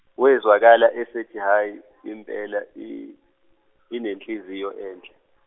wezwakala esethi Hhayi , impela i- inenhliziyo enhle.